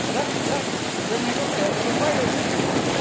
dậy dậy giờ này con phải ở trường quay rồi chứ